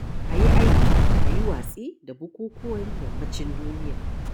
A yi aiki a yi watsi da bukukuwan Yammacin Duniya.